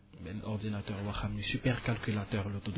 benn ordinateur boo xam ne super calculateur la tudd